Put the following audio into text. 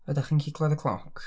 Ydach chi'n gallu clwad y cloc?